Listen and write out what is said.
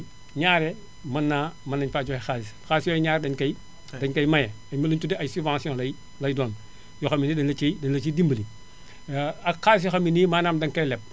ñaare mën naa mën nañu faa joxee xaalis xaalis yooyu ñaare dañu koy dañu koy maye mutuelle :frau mën leen tuddee ay subventions lay lay doon yoo xam ne nii dañu la ciy dañu la ciy dimbali ak xaalis boo xam ne nii maanaam danga koy leb